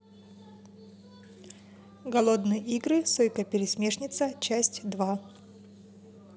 голодные игры сойка пересмешница часть два